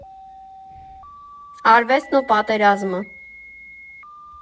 Արվեստն ու պատերազմը։